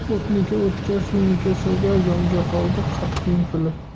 o'tniki o'tga suvniki suvga yonga qoldi qatiqning puli